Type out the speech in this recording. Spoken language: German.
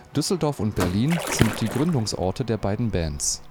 Düsseldorf und Berlin sind die Gründungsorte der beiden Bands